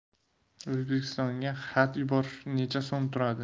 o'zbekistonga xat yuborish necha so'm turadi